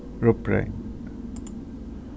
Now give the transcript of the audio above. rugbreyð